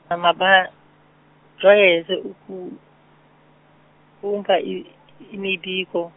mabajwayezwe, ukubumba i- imibiko.